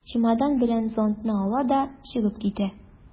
Чемодан белән зонтны ала да чыгып китә.